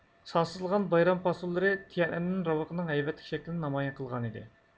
سانسىزلىغان بايرام پانوسلىرى تيەنئەنمېن راۋىقىنىڭ ھەيۋەتلىك شەكلىنى نامايان قىلغانىدى